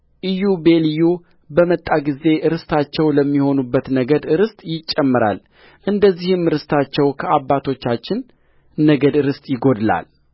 ኢዮቤልዩ በመጣ ጊዜ ርስታቸው ለሚሆኑበት ነገድ ርስት ይጨመራል እንደዚህም ርስታቸው ከአባቶቻችን ነገድ ርስት ይጐድላል